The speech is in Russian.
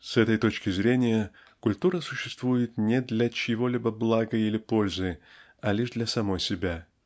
С этой точки зрения культура существует не для чьего-либо блага или пользы а лишь для самой себя